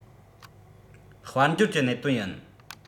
དཔལ འབྱོར གྱི གནད དོན ཡིན